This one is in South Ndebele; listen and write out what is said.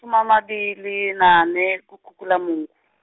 -tjhumi amabili nane kuKhukhulamungu.